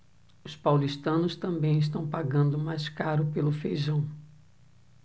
os paulistanos também estão pagando mais caro pelo feijão